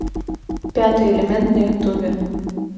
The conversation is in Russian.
пятый элемент на ютубе